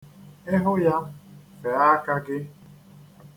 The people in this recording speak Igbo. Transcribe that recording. Ị hụ ya, fee aka gị.